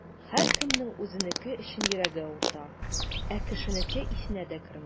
Һәркемнең үзенеке өчен йөрәге авырта, ә кешенеке исенә дә керми.